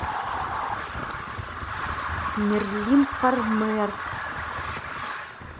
мерлин фармер